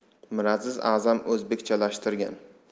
miraziz a'zam o'zbekchalashtirgan